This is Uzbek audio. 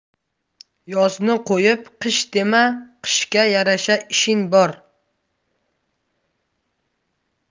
yozni qo'yib qish dema qishga yarasha ishing bor